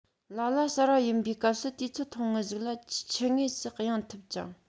ལ ལ གསར པ ཡིན པའི སྐབས སུ དུས ཚོད ཐུང ངུ ཞིག ལ ཆུ ངོས སུ གཡེང ཐུབ ཅིང